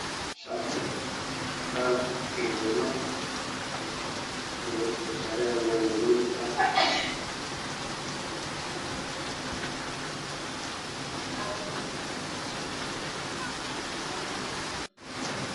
Meeshaan waxaa ka muuqdo shaati cadaan ah diildiilimo leh